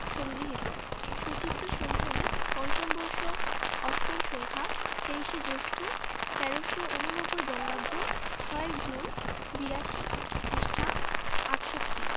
সংগৃহীত সচিত্র সন্ধানী৫ম বর্ষ ৮ম সংখ্যা ২৩ জ্যৈষ্ঠ ১৩৮৯ বঙ্গাব্দ ৬ জুন ৮২ পৃষ্ঠাঃ ৬৮